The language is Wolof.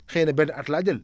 xëy na benn at laa jël